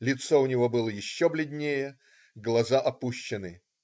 Лицо у него было еще бледнее, глаза опущены.